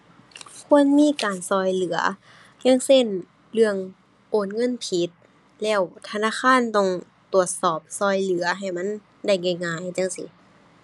ควรมีการช่วยเหลือ อย่างเช่น เรื่องโอนเงินผิดแล้วธนาคารต้องตรวจสอบช่วยเหลือให้มันได้ง่ายง่ายจั่งซี้